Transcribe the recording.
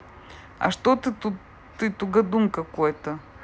а что ты тугодум какой то